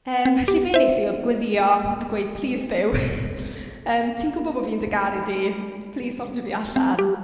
Yym felly be wnes i oedd gweddïo a gweud "Plis Duw Ti'n gwbo' bo' fi'n dy garu di. Plîs sortio fi allan."